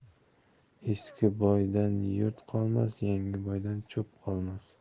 eski boydan yurt qolmas yangi boydan cho'p qolmas